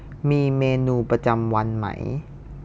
มีเมนูประจำวันไหม